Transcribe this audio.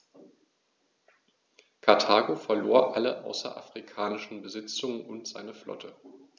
Karthago verlor alle außerafrikanischen Besitzungen und seine Flotte.